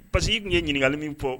Parceque i kun ye ɲininkali min fɔ